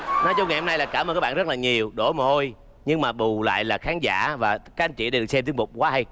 nói chung ngày hôm nay là cảm ơn các bạn rất là nhiều đổ mồ hôi nhưng mà bù lại là khán giả và các anh chị đều xem tiết mục quá hay